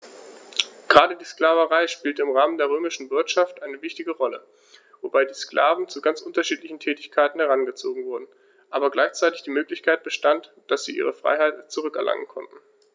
Gerade die Sklaverei spielte im Rahmen der römischen Wirtschaft eine wichtige Rolle, wobei die Sklaven zu ganz unterschiedlichen Tätigkeiten herangezogen wurden, aber gleichzeitig die Möglichkeit bestand, dass sie ihre Freiheit zurück erlangen konnten.